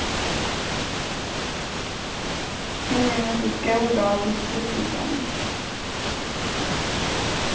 her eru nøkur góð ráð til súkkluhjálmin